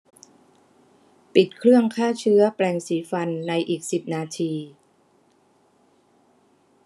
ปิดเครื่องฆ่าเชื้อแปรงสีฟันในอีกสิบนาที